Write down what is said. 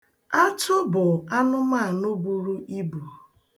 Atụ bụ anụmanụ buru ibu.